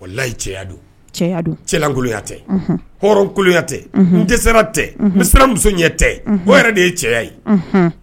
O layi cɛya don cɛ cɛlankuluyatɛ hɔrɔnkoloyatɛ n tɛsira tɛ n siranmuso ɲɛ tɛ h de ye cɛya ye